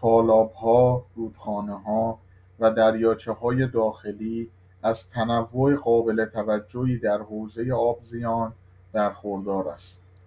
تالاب‌ها، رودخانه‌ها و دریاچه‌های داخلی، از تنوع قابل توجهی در حوزه آبزیان برخوردار است.